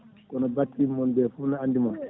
kono mbattiɓe moon ɓe foof ne andi moon